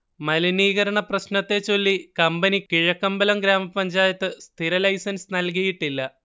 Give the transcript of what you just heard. മലിനീകരണപ്രശ്നത്തെച്ചൊല്ലി company Kizhakkambalam ഗ്രാമപഞ്ചായത്ത് സ്ഥിരലൈസൻസ് നൽകിയിട്ടില്ല